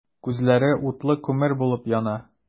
Күзләре утлы күмер булып яна.